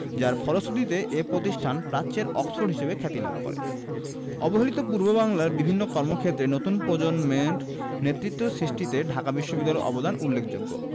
যার ফলশ্রুতিতে এ প্রতিষ্ঠান প্রাচ্যের অক্সফোর্ড হিসেবে খ্যাতি লাভ করে অবহেলিত পূর্ববাংলার বিভিন্ন কর্মক্ষেত্রে নতুন প্রজন্মের নেতৃত্ব সৃষ্টিতে ঢাকা বিশ্ববিদ্যালয়ের অবদান উল্লেখযোগ্য